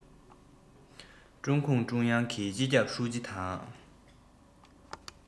ཀྲུང གུང ཀྲུང དབྱང གི སྤྱི ཁྱབ ཧྲུའུ ཅི དང